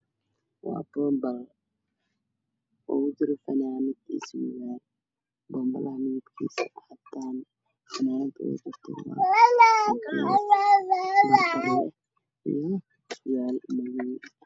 Waa boonbalo lagu daray fananad iyo surwaabl boonbalo midabkiisu waa cadaan funanad waa